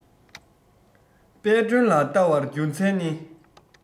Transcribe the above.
དཔལ སྒྲོན ལ བལྟ བར རྒྱུ མཚན ནི